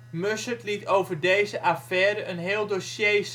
Mussert liet over deze affaire een heel dossier samenstellen